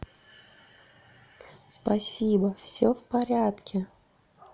спасибо все в порядке